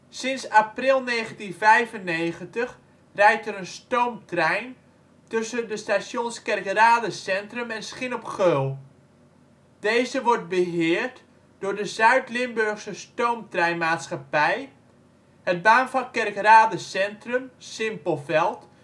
Sinds april 1995 rijdt er een stoomtrein tussen de stations Kerkrade-Centrum en Schin op Geul. Deze wordt beheerd door de Zuid-Limburgse Stoomtrein Maatschappij (ZLSM). Het baanvak Kerkrade-Centrum - Simpelveld